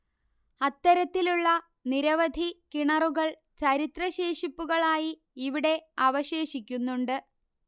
അത്തരത്തിലുള്ള നിരവധി കിണറുകൾ ചരിത്ര ശേഷിപ്പുകളായി ഇവിടെ അവശേഷിക്കുന്നുണ്ട്